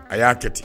A y'a kɛ ten